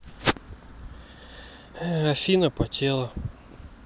афина потела